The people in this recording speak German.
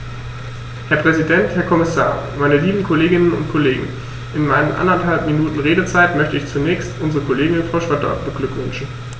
Herr Präsident, Herr Kommissar, meine lieben Kolleginnen und Kollegen, in meinen anderthalb Minuten Redezeit möchte ich zunächst unsere Kollegin Frau Schroedter beglückwünschen.